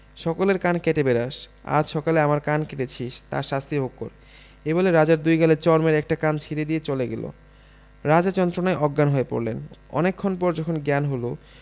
সকলের কান কেটে বেড়াস আজ সকালে আমার কান কেটেছিস তার শাস্তি ভোগ কর এই বলে রাজার দুই গালে চড় মেরে একটা কান ছিড়ে দিয়ে চলে গেল রাজা যন্ত্রনায় অজ্ঞান হয়ে পড়লেন অনেকক্ষণ পরে যখন জ্ঞান হল